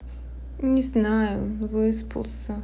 не знаю выспался